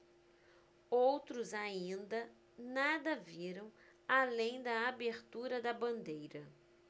outros ainda nada viram além da abertura da bandeira